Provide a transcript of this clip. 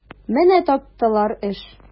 Менә таптылар эш!